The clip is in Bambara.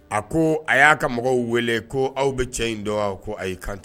A ko a y'a ka mɔgɔw wele ko aw bɛ cɛ in dɔn ko a y'i kanto